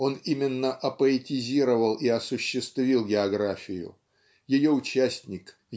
Он именно опоэтизировал и осуществил географию ее участник